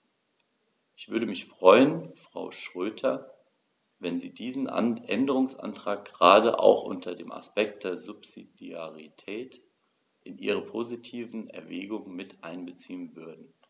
Ich würde mich freuen, Frau Schroedter, wenn Sie diesen Änderungsantrag gerade auch unter dem Aspekt der Subsidiarität in Ihre positiven Erwägungen mit einbeziehen würden.